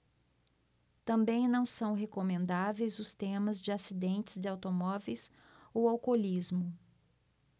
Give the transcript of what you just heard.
também não são recomendáveis os temas de acidentes de automóveis ou alcoolismo